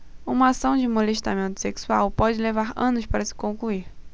uma ação de molestamento sexual pode levar anos para se concluir